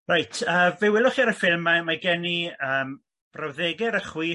Reit yyy fe welwch chi ar y ffilm a mae gen i yym brawddege ar y chwith